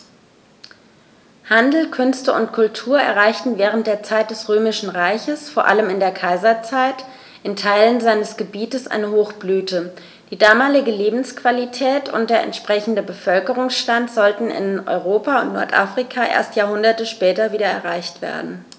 Handel, Künste und Kultur erreichten während der Zeit des Römischen Reiches, vor allem in der Kaiserzeit, in Teilen seines Gebietes eine Hochblüte, die damalige Lebensqualität und der entsprechende Bevölkerungsstand sollten in Europa und Nordafrika erst Jahrhunderte später wieder erreicht werden.